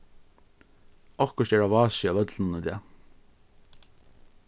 okkurt er á vási á vøllinum í dag